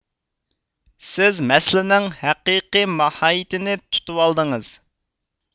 سىز مەسىلىنىڭ ھەققىي ماھىيىتىنى تۇتۋالدىڭىز